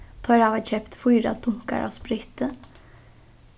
teir hava keypt fýra dunkar av spritti